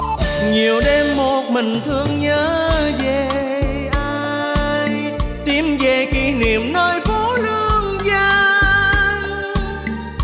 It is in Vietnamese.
nhiều đêm một mình thương nhớ về ai tìm về kỷ niệm nơi phố lương gian